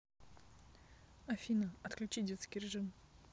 афина отключи детский режим